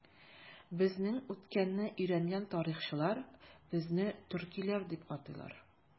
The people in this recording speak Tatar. Безнең үткәнне өйрәнгән тарихчылар безне төркиләр дип атыйлар.